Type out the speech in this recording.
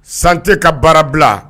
Santé ka baara bila